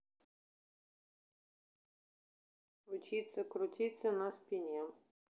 учиться крутиться на спине